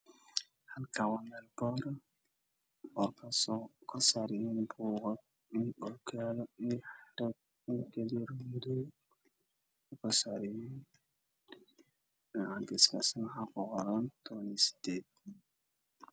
Waseer xayasiis ah waxaa ii muuqda miis o saaran nugaal miiska waa oranji mobile